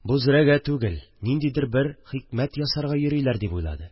Бу зрәгә түгел, ниндидер бер хикмәт ясарга йөриләр, дип уйлады